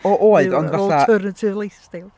O- oedd ond fatha... Efo alternative lifestyle!